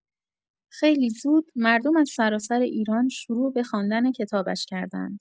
خیلی زود، مردم از سراسر ایران شروع به خواندن کتابش کردند.